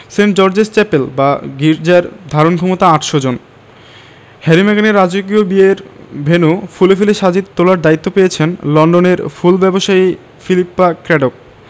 Saint George's chapel বা গির্জার ধারণক্ষমতা ৮০০ জন হ্যারি মেগানের রাজকীয় বিয়ের ভেন্যু ফুলে ফুলে সাজিয়ে তোলার দায়িত্ব পেয়েছেন লন্ডনের ফুল ব্যবসায়ী ফিলিপ্পা ক্র্যাডোক